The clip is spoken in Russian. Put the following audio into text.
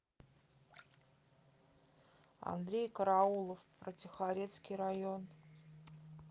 андрей караулов про тихорецкий район